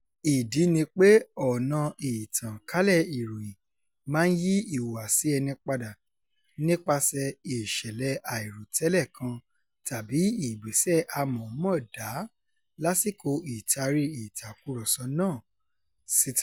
Ìdí ni pé ọ̀nà ìtànkálẹ̀ ìròyìn "máa ń yí ìhùwàsí ẹni padà" nípasẹ̀ "ìṣẹ̀lẹ̀ àìròtẹ́lẹ̀ kan tàbí ìgbésẹ̀ àmọ̀ọ́mọ̀ dá lásìkò ìtari ìtàkùrọ̀sọ [náà] síta".